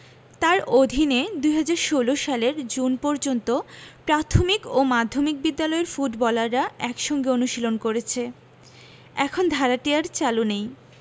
তাঁর অধীনে ২০১৬ সালের জুন পর্যন্ত প্রাথমিক ও মাধ্যমিক বিদ্যালয়ের ফুটবলাররা একসঙ্গে অনুশীলন করেছে এখন ধারাটি আর চালু নেই